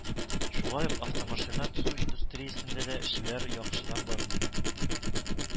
Шулай ук автомашина төзү индустриясендә дә эшләр яхшыдан бармый